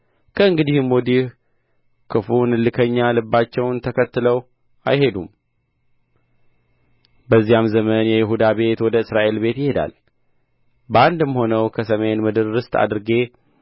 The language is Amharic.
ከእንግዲህም ወዲህ ክፉውን እልከኛ ልባቸውን ተከትለው አይሄዱም በዚያም ዘመን የይሁዳ ቤት ወደ እስራኤል ቤት ይሄዳል በአንድም ሆነው ከሰሜን ምድር ርስት አድርጌ